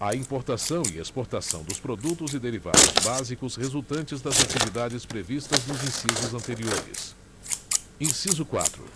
a importação e exportação dos produtos e derivados básicos resultantes das atividades previstas nos incisos anteriores inciso quatro